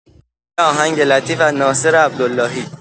یه آهنگ لطیف از ناصر عبداللهی